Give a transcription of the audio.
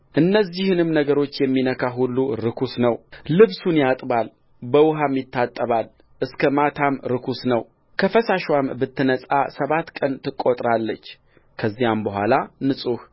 እነዚህንም ነገሮች የሚነካ ሁሉ ርኩስ ነው ልብሱንም ያጥባል በውኃም ይታጠባል እስከ ማታም ርኩስ ነውከፈሳሽዋም ብትነጻ ሰባት ቀን ትቈጥራለች ከዚያም በኋላ ንጹሕ